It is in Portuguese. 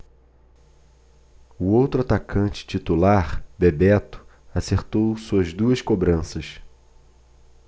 o outro atacante titular bebeto acertou suas duas cobranças